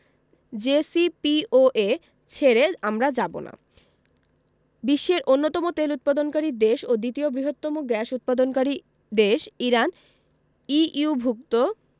JCPOA ছেড়ে আমরা যাব না বিশ্বের অন্যতম তেল উৎপাদনকারী দেশ ও দ্বিতীয় বৃহত্তম গ্যাস উৎপাদনকারী দেশ ইরান ইইউভুক্ত